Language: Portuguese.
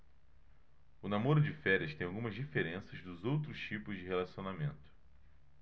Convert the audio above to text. o namoro de férias tem algumas diferenças dos outros tipos de relacionamento